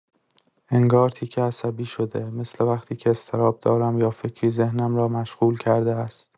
انگار تیک عصبی شده، مثل وقتی که اضطراب دارم یا فکری ذهنم را مشغول کرده است.